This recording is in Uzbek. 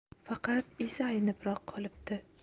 faqat esi aynibroq qolibdi